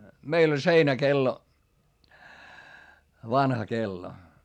meillä oli seinäkello vanha kello